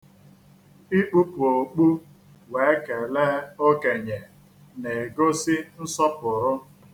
Ikpupu okpu wee kelee okenye na-egosi nsọpụrụ.